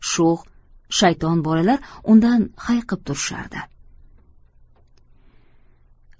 sho'x shayton bolalar undan hayiqib turishardi